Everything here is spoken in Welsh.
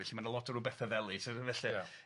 Felly ma' 'na lot o rw bethe fely felly. Ia.